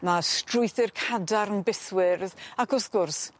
ma' strwythur cadarn bythwyrdd ac wrth gwrs